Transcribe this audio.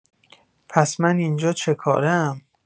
پس من اینجا چه‌کاره ام؟